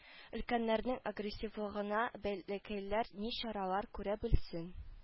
Өлкәннәрнең агрессивлыгына бәләкәйләр ни чаралар күрә белсен